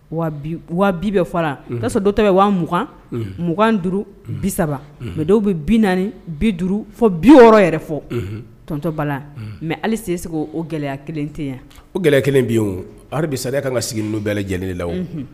Bɛ fɔ la' sɔrɔ dɔ to bɛ wa mugan mugan duuru bi saba mɛ dɔw bɛ bi naani bi duuru fɔ bi yɛrɛ fɔ tɔnontɔbala mɛ halise se o gɛlɛya kelen tɛ yan o gɛlɛya kelen bɛ yenbi sa ka kan ka sigi n' bɛɛ lajɛlen la wo